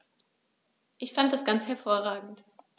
Ich fand das ganz hervorragend.